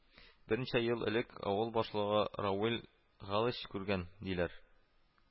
Берничә ел элек авыл башлыгы Рауил Галыч күргән, диләр